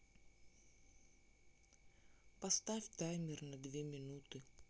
поставь таймер на две минуты